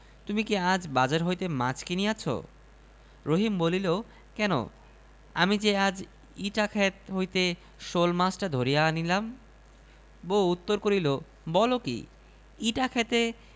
তুমি কি আজ বাজার হইতে মাছ কিনিয়াছ রহিম বলিল কেন আমি যে আজ ইটা ক্ষেত হইতে শোলমাছটা ধরিয়া আনিলাম বউ উত্তর করিল বল কি ইটা ক্ষেতে